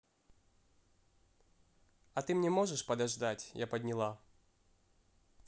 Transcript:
а ты мне можешь подождать я подняла